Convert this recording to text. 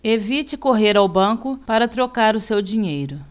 evite correr ao banco para trocar o seu dinheiro